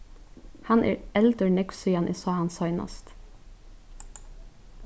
hann er eldur nógv síðan eg sá hann seinast